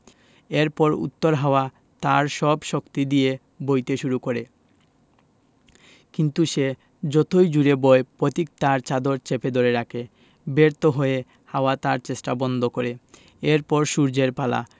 এরপর উত্তর হাওয়া তার সব শক্তি দিয়ে বইতে শুরু করে কিন্তু সে যতই জোড়ে বয় পথিক তার চাদর চেপে ধরে রাখে ব্যর্থ হয়ে হাওয়া তার চেষ্টা বন্ধ করে এর পর সূর্যের পালা